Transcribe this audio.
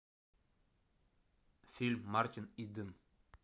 фильм мартин иден